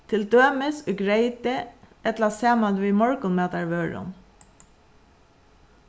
til dømis í greyti ella saman við morgunmatarvørum